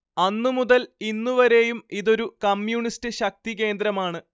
അന്നു മുതൽ ഇന്നു വരെയും ഇതൊരു കമ്മ്യൂണിസ്റ്റ് ശക്തി കേന്ദ്രമാണ്